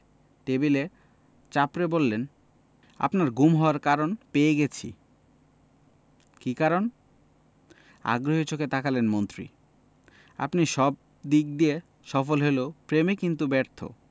টেবিলে চাপড়ে বললেন আপনার গুম হওয়ার কারণ পেয়ে গেছি ‘কী কারণ আগ্রহী চোখে তাকালেন মন্ত্রী আপনি সব দিক দিয়ে সফল হলেও প্রেমে কিন্তু ব্যর্থ